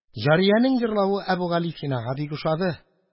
Җариянең җырлавы Әбүгалисинага бик ошады.